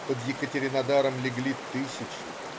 Под Екатеринодаром легли тысячи.